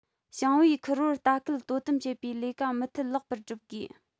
ཞིང པའི ཁུར པོར ལྟ སྐུལ དོ དམ བྱེད པའི ལས ཀ མུ མཐུད ལེགས པར སྒྲུབ དགོས